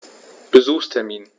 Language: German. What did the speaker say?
Besuchstermin